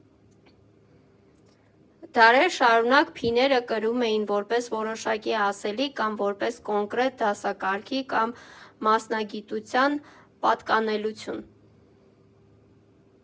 Դարեր շարունակ փիները կրում էին որպես որոշակի ասելիք կամ որպես կոնկրետ դասակարգի կամ մասնագիտության պատկանելություն։